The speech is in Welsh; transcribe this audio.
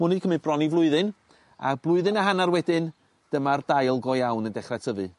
ma' 'wn 'di cymyd bron i flwyddyn a blwyddyn â hannar wedyn dyma'r dail go iawn yn dechra tyfu.